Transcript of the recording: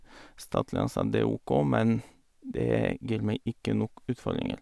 Statlig ansatt, det er OK, men det gir meg ikke nok utfordringer.